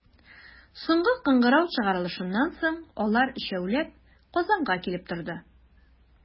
Соңгы кыңгырау чыгарылышыннан соң, алар, өчәүләп, Казанга килеп торды.